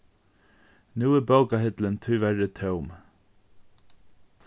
nú er bókahillin tíverri tóm